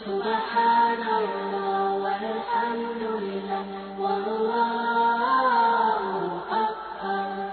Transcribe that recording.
Maa wa wa yo yo